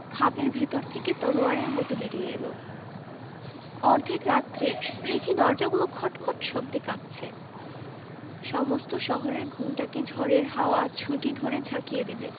খাপের ভেতর থেকে তলোয়ারের মত বেরিয়ে এল অর্ধেক রাত্রে দেখি দরজাগুলো খটখট শব্দে কাঁপছে সমস্ত শহরের ঘুমটাকে ঝড়ের হাওয়া ঝুঁটি ধরে ঝাঁকিয়ে দিলে